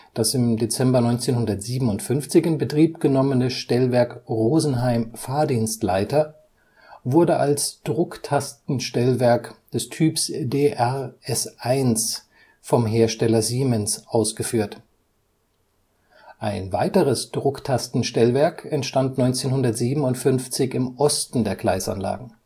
Das im Dezember 1957 in Betrieb genommene Stellwerk Rosenheim Fahrdienstleiter wurde als Drucktastenstellwerk des Typs Dr S1 vom Hersteller Siemens ausgeführt. Ein weiteres Drucktastenstellwerk entstand 1957 im Osten der Gleisanlagen